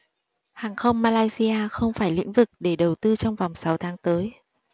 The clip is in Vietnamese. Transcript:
hàng không malaysia không phải lĩnh vực để đầu tư trong vòng sáu tháng tới